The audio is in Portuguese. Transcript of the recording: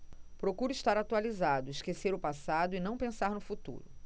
procuro estar atualizado esquecer o passado e não pensar no futuro